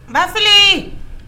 Ba fili